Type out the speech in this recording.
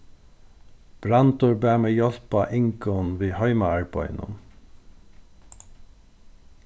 brandur bað meg hjálpa ingunn við heimaarbeiðinum